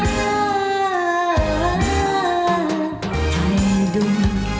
ơ ơ ơ thành đô